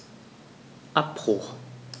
Abbruch.